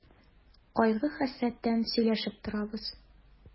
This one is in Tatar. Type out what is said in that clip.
Кайгы-хәсрәттән сөйләшеп торабыз.